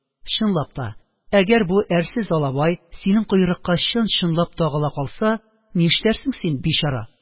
Чынлап та, әгәр бу әрсез алабай синең койрыкка чын-чынлап тагыла калса нишләрсең син, бичара?